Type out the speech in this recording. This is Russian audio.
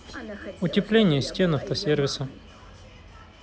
утепление стен автосервиса